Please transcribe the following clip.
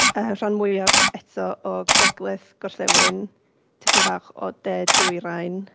Y rhan mwyaf eto o Gogledd Gorllewin, tipyn bach o De Dwyrain.